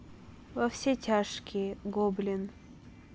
во все тяжкие гоблин